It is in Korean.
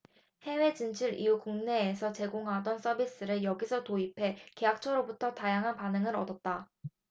해외 진출 이후 국내에서 제공하던 서비스를 여기서 도입해 계약처로부터 다양한 반응을 얻었다